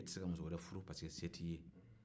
e tɛ se muso wɛrɛ furu parce que se t'i ye